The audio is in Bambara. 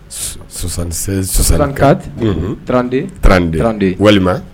Sanran ka tranderanterande walima